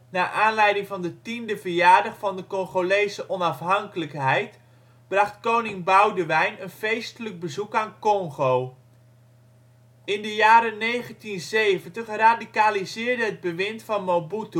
naar aanleiding van de tiende verjaardag van de Congolese onafhankelijkheid, bracht koning Boudewijn een feestelijk bezoek aan Congo. In de jaren 1970 radicaliseerde het bewind van Mobutu